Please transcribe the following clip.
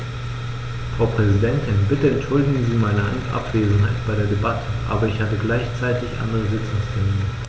Frau Präsidentin, bitte entschuldigen Sie meine Abwesenheit bei der Debatte, aber ich hatte gleichzeitig andere Sitzungstermine.